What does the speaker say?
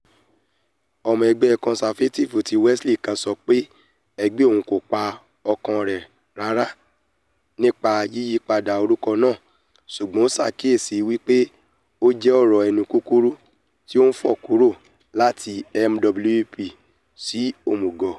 Ọmọ ẹgbẹ́ Conservative ti Welsh kan sọpé ẹgbẹ́ òun “kò pa ọkàn rẹ rárá” nípa yíyípadà orúkọ náà, ṣùgbọ́n ó ṣàkíyèsí wípé ó jẹ́ ọ̀rọ̀ ẹnu kúkúrú ti ó fò kúrò láti MWP sí Omugọ.